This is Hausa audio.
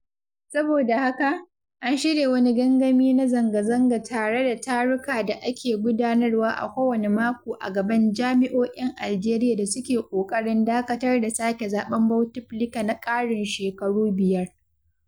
Saboda haka, an shirya wani gangami na zanga-zanga tare da taruka da ake gudanarwa a kowane mako a gaban jami’o’in Algeria da su ke ƙoƙarin dakatar da sake zaɓen Bouteflika na ƙarin shekaru biyar.